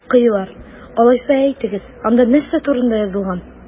Укыйлар! Алайса, әйтегез, анда нәрсә турында язылган?